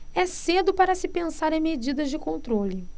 é cedo para se pensar em medidas de controle